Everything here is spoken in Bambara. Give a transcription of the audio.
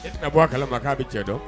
K'e tɛna bɔ a kala ma, k'a bɛ cɛ dɔn.